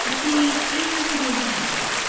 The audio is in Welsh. Felly beth yw cyfieithu harddwch?